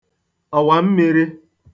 ọ̀wàmmīrī